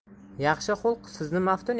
yaxshi xulq sizni maftun